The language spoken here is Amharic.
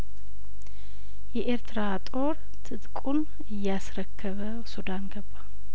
የኤርትራ ጦር ትጥቁን እያስረከበ ሱዳን ገባ